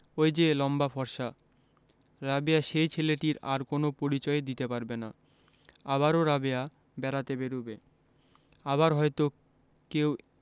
ঐ যে লম্বা ফর্সা রাবেয়া সেই ছেলেটির আর কোন পরিচয়ই দিতে পারবে না আবারও রাবেয়া বেড়াতে বেরুবে আবারো হয়তো কেউ